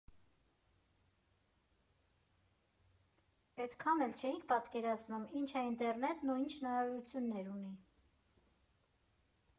Էդքան էլ չէինք պատկերացնում՝ ինչ ա ինտերնետն ու ինչ հնարավորություններ ունի։